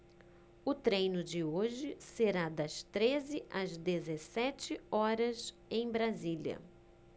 o treino de hoje será das treze às dezessete horas em brasília